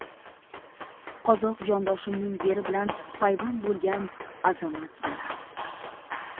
qozoq jondoshimning yeri bilan payvand bo'lgan azamat dalam